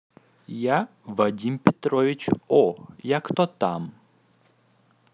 я вадим петрович о я кто там